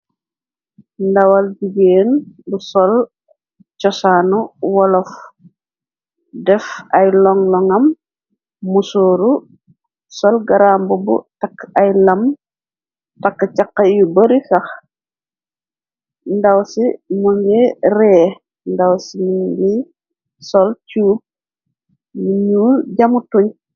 Ndawal jigéen bu sol chosaanu wolof def ay long long am musooru. Sol garam mbubu. Takk ay lam tàkk chaqa yu bari saxNdaw ci më nga ree. Ndaw ci mingi sol cu mi ñu jamu tuñ.